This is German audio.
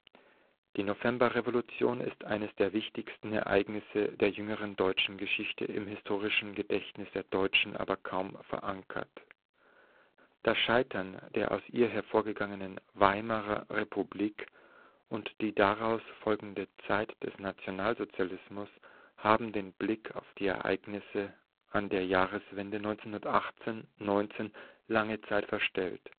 Die Novemberrevolution ist eines der wichtigsten Ereignisse der jüngeren deutschen Geschichte, im historischen Gedächtnis der Deutschen aber kaum verankert. Das Scheitern der aus ihr hervorgegangenen Weimarer Republik und die darauf folgende Zeit des Nationalsozialismus haben den Blick auf die Ereignisse an der Jahreswende 1918 / 19 lange Zeit verstellt